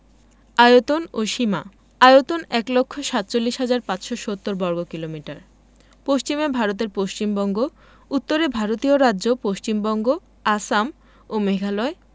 আয়তন ও সীমাঃ আয়তন ১লক্ষ ৪৭হাজার ৫৭০বর্গকিলোমিটার পশ্চিমে ভারতের পশ্চিমবঙ্গ উত্তরে ভারতীয় রাজ্য পশ্চিমবঙ্গ আসাম ও মেঘালয়